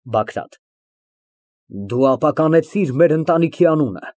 ԲԱԳՐԱՏ ֊ Դու ապականեցիր մեր ընտանիքի անունը։